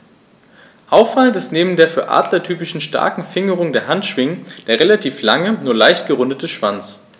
Auffallend ist neben der für Adler typischen starken Fingerung der Handschwingen der relativ lange, nur leicht gerundete Schwanz.